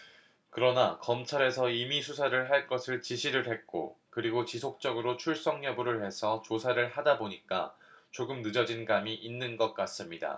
그러나 검찰에서 임의수사를 할 것을 지시를 했고 그리고 지속적으로 출석 여부를 해서 조사를 하다 보니까 조금 늦어진 감이 있는 것 같습니다